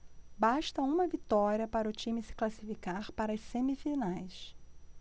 basta uma vitória para o time se classificar para as semifinais